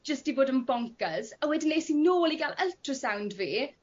jyst 'di bod yn boncyrs a wedyn es i nôl i ga'l ultrasound fi